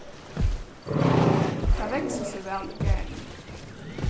tað veksur so væl í garðinum